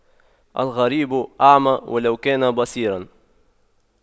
الغريب أعمى ولو كان بصيراً